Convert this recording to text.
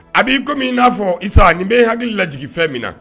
A'i komi min n'a fɔsa nin bɛ hakili laj fɛn min na